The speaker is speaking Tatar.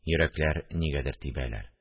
Йөрәкләр нигәдер тибәләр